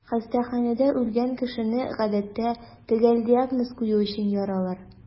Хастаханәдә үлгән кешене, гадәттә, төгәл диагноз кую өчен яралар.